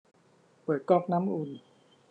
เปิดก๊อกน้ำอุ่น